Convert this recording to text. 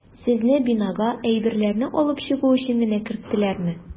Сезне бинага әйберләрне алып чыгу өчен генә керттеләрме?